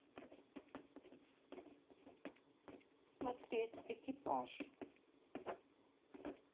смотреть экипаж